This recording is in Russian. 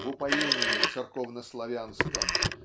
в упоении церковно-славянском